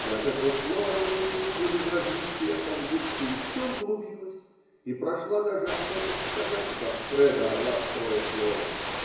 И от этого слова мое чувство безразличия как будто еще углубилось и прошла даже охота сказать Гоффредо ласковое слово.